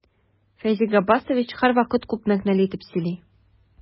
Фәйзи Габбасович һәрвакыт күп мәгънәле итеп сөйли.